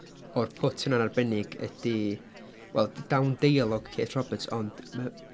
o'r pwt yna'n arbennig ydy wel d- dawn deialog Kate Roberts ond m...